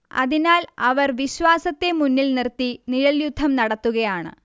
അതിനാൽ അവർ വിശ്വാസത്തെ മുന്നിൽ നിർത്തി നിഴൽയുദ്ധം നടത്തുകയാണ്